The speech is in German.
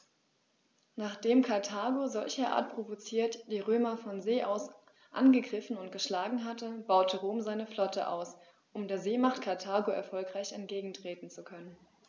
Nachdem Karthago, solcherart provoziert, die Römer von See aus angegriffen und geschlagen hatte, baute Rom seine Flotte aus, um der Seemacht Karthago erfolgreich entgegentreten zu können.